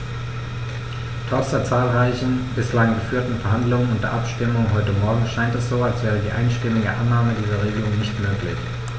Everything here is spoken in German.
Trotz der zahlreichen bislang geführten Verhandlungen und der Abstimmung heute Morgen scheint es so, als wäre die einstimmige Annahme dieser Regelung nicht möglich.